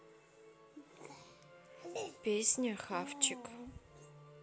песня хавчик